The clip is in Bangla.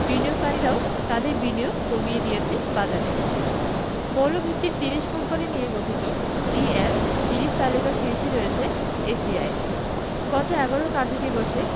বিনিয়োগকারীও তাদের বিনিয়োগ কমিয়ে দিয়েছে বাজারে মৌলভিত্তির ৩০ কোম্পানি নিয়ে গঠিত ডিএস ৩০ তালিকার শীর্ষে রয়েছে এসিআই গত ১১ কার্যদিবসে